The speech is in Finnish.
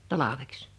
talveksi